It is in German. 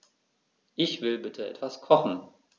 Ich will bitte etwas kochen.